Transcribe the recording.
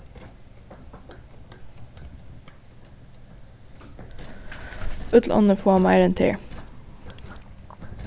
øll onnur fáa meira enn tær